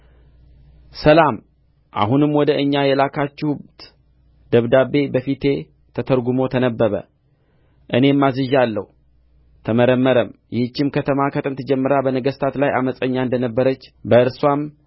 ሰላም አሁንም ወደ እኛ የላካችሁት ደብዳቤ በፊቴ ተተርጕሞ ተነበበ እኔም አዝዣለሁ ተመረመረም ይህችም ከተማ ከጥንት ጀምራ በነገሥታት ላይ ዓመፀኛ እንደ ነበረች በእርስዋም